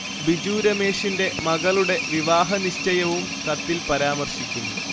ബിജു രമേശിന്റെ മകളുടെ വിവാഹ നിശ്ഛയവും കത്തിൽ പരാമർശിക്കുന്നു